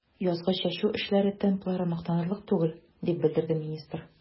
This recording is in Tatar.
Язгы чәчү эшләре темплары мактанырлык түгел, дип белдерде министр.